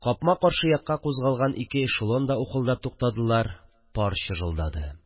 Капма-каршы якка кузгалган ике эшелон да ухылдап туктадылар, пар чыжылдады